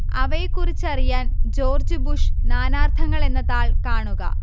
അവയെക്കുറിച്ചറിയാന് George Bush നാനാര്ത്ഥങ്ങൾ എന്ന താൾ കാണുക